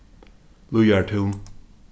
líðartún